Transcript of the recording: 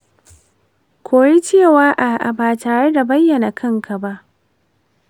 koyi cewa a’a ba tare da bayyana kanka ba.